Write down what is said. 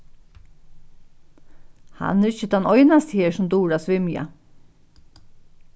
hann er ikki tann einasti her sum dugir at svimja